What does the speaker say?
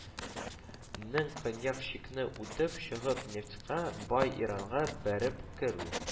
Нең көньяк чикне үтеп чыгып, нефтькә бай иранга бәреп керү